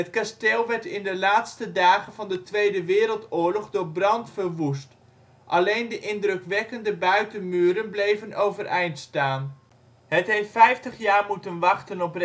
kasteel werd in de laatste dagen van de Tweede Wereldoorlog door brand verwoest, alleen de indrukwekkende buitenmuren bleven overeind staan. Het heeft 50 jaar moeten wachten op restauratie